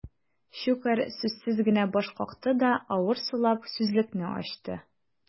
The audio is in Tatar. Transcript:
Щукарь сүзсез генә баш какты да, авыр сулап сүзлекне ачты.